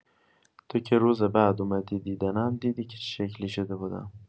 تو که روز بعد اومدی دیدنم، دیدی که چه شکلی شده بودم.